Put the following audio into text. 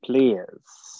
Please.